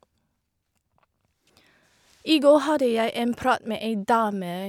I går hadde jeg en prat med ei dame.